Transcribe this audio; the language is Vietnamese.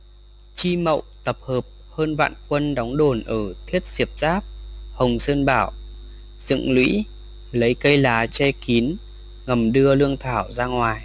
chi mậu tập hợp hơn vạn quân đóng đồn ở thiết diệp giáp hồng sơn bảo dựng lũy lấy cây lá che kín ngầm đưa lương thảo ra ngoài